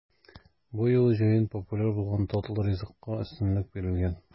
Бу юлы җәен популяр булган татлы ризыкка өстенлек бирелгән.